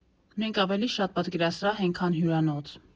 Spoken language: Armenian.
Մենք ավելի շատ պատկերասրահ ենք, քան հյուրանոց։